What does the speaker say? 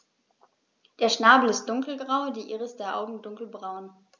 Der Schnabel ist dunkelgrau, die Iris der Augen dunkelbraun.